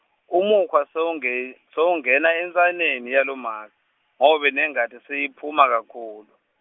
umukhwa sewunge- sewuyangena entsanyeni yalomake, ngobe nengati seyiphuma kakhulu.